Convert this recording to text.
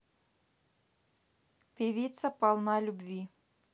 певица полна любви